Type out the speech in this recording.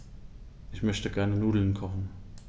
Ich möchte gerne Nudeln kochen.